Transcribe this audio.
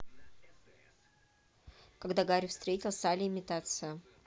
когда гарри встретил салли имитация